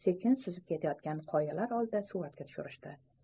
sekin suzib ketayotgan qoyalar oldida suratga tushirishdi